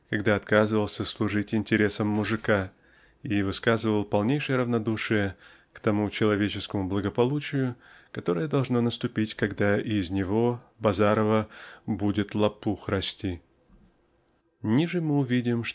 когда отказывался служить интересам мужика и высказывал полнейшее равнодушие к тому человеческому благополучию которое должно наступить когда из него Базарова "будет лопух расти". Ниже мы увидим